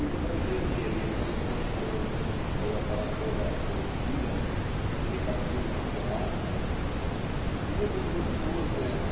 Изображение ли роскошного знаменитого парохода "Атлантида" или картину океана? Не тенденциозное